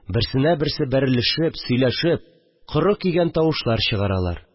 Берсенә берсе бәрелешеп, сөйләшеп, коры-көйгән тавышлар чыгаралар